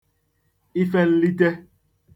ifenlite